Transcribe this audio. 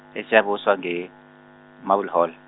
eSiyabuswa nge- Marble Hall.